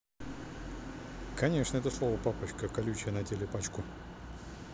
конечно это словно папочка колючая на теле пачку